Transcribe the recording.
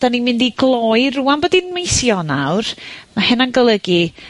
'dan ni'n mynd i gloi, rŵan bod 'i'n mis Ionawr, maa' hynna'n golygu